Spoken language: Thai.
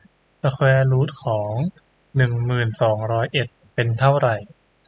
สแควร์รูทของหนึ่งหมื่นสองร้อยเอ็ดเป็นเท่าไหร่